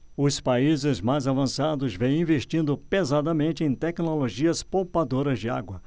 os países mais avançados vêm investindo pesadamente em tecnologias poupadoras de água